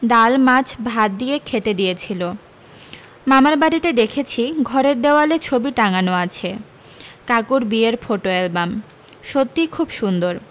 ডাল মাছ ভাত দিয়ে খেতে দিয়েছিল মামার বাড়ীতে দেখেছি ঘরের দেওয়ালে ছবি টাঙানো আছে কাকুর বিয়ের ফোটো অ্যালবাম সত্যি খুব সুন্দর